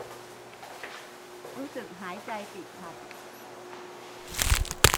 รู้สึกหายใจติดขัด